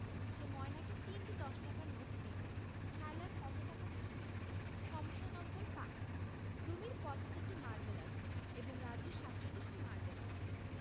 সে ময়নাকে ৩টি দশ টাকার নোট দিল সায়লার কত টাকা থাকল সমস্যা নম্বর ৫ রুমির ৭৫টি মারবেল আছে এবং রাজুর ৪৭টি মারবেল আছে